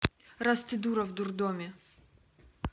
раз ты дура в дурдоме